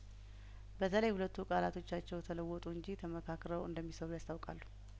በተለይ ሁለቱ ቃላቶቻቸው ተለወጡ እንጂ ተመካክረው እንደሚሰሩ ያስታውቃሉ